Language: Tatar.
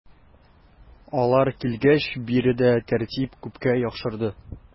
Алар килгәч биредә тәртип күпкә яхшырды.